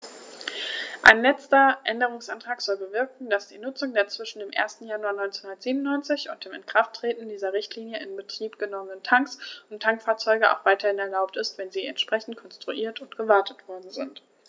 Ein letzter Änderungsantrag soll bewirken, dass die Nutzung der zwischen dem 1. Januar 1997 und dem Inkrafttreten dieser Richtlinie in Betrieb genommenen Tanks und Tankfahrzeuge auch weiterhin erlaubt ist, wenn sie entsprechend konstruiert und gewartet worden sind.